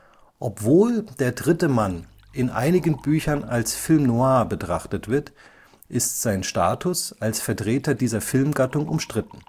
Obwohl Der dritte Mann in einigen Büchern als Film noir betrachtet wird, ist sein Status als Vertreter dieser Filmgattung umstritten